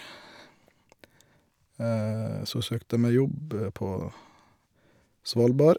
Så søkte jeg meg jobb på Svalbard.